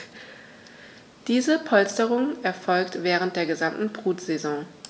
Diese Polsterung erfolgt während der gesamten Brutsaison.